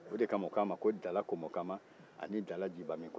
o de kama o ko a ma ko dalakomokaama ani dalajibani kɔnɛ